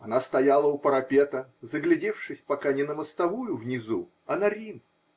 Она стояла у парапета, заглядевшись пока не на мостовую внизу, а на Рим.